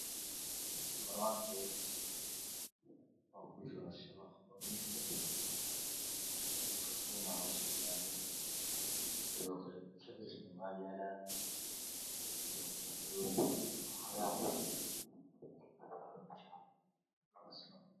Kani waa suburmarkat shabaqaa kujiro hoosna kartoona yaala sidoo kale jabsina waa yaalaa iyo banbanooni cagaar iyo jaale ah.